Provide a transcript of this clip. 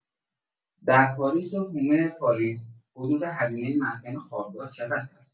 در پاریس وحومه پاریس حدود هزینه مسکن و خوابگاه چقدر هست؟